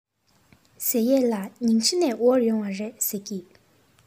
ཟེར ཡས ལ ཉིང ཁྲི ནས དབོར ཡོང བ རེད ཟེར གྱིས